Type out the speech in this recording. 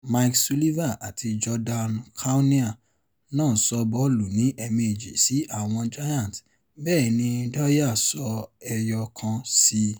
Mike Sullivan àti Jordan Cownie náà sọ bọ́ọ̀lù ní èẹ̀mejì sí àwọ̀n Giants. Bẹ́ẹ̀ ni Dwyer sọ ẹyọ kan si i.